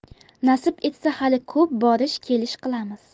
nasib etsa hali ko'p borish kelish qilamiz